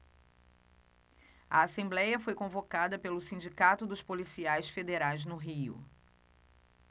a assembléia foi convocada pelo sindicato dos policiais federais no rio